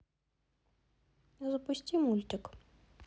запусти мультик